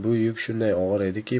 bu yuk shunday og'ir ediki